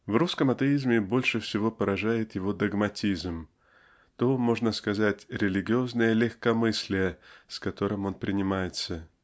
В русском атеизме больше всего поражает его догматизм то можно сказать религиозное легкомыслие с которым он принимается.